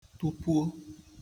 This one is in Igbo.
tụpuo